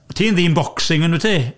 Ti'n ddyn boxing, yn dwyt ti?